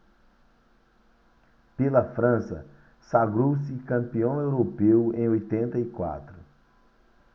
pela frança sagrou-se campeão europeu em oitenta e quatro